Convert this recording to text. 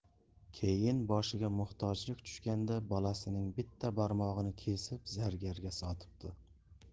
keyin boshiga muhtojlik tushganida bolasining bitta barmog'ini kesib zargarga sotibdi